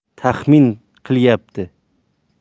taxmin qilyapti